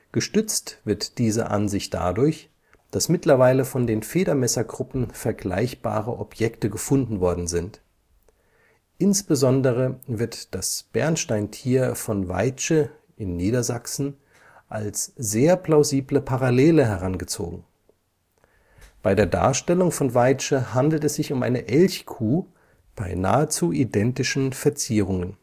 Gestützt wird diese Ansicht dadurch, dass mittlerweile von den Federmesser-Gruppen vergleichbare Objekte gefunden worden sind. Insbesondere wird das Bernsteintier von Weitsche (Niedersachsen) als sehr plausible Parallele herangezogen. Bei der Darstellung von Weitsche handelt es sich um eine Elchkuh, bei nahezu identischen Verzierungen